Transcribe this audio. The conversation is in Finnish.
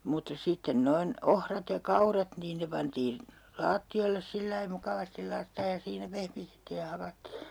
mutta sitten noin ohrat ja kaurat niin ne pantiin lattioille sillä lailla mukavasti laittaen ja siinä pehmitettiin ja hakattiin